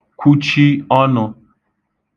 kwuchi ọnụ̄